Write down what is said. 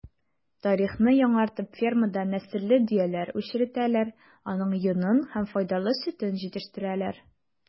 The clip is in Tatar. Тарихны яңартып фермада нәселле дөяләр үчретәләр, аның йонын һәм файдалы сөтен җитештерәләр.